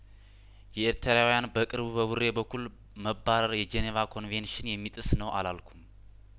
የኤርተራውያን በቅርቡ በቡሬ በኩል መባረር የጄኔቫ ኮንቬንሽን የሚጥስ ነው አላልኩም